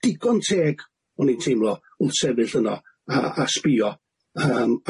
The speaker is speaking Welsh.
digon teg o'n i'n teimlo wrth sefyll yno a a sbïo yym